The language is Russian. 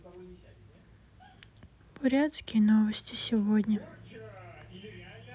бурятские новости сегодня